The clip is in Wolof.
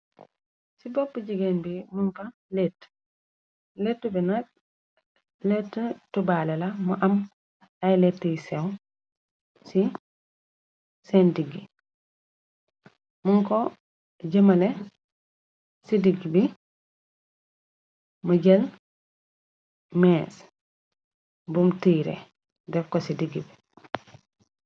Ci bopp jigéen bi nak mun ko lett. Lettu bi nak lett tubaale la mu am ay letty sew ci seen diggi. Mun ko jëmale ci digg bi mu jël mees bum tiire def ko ci digg bi.